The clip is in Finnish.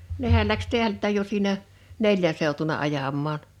nehän lähti täältäkin jo siinä neljän seutuna ajamaan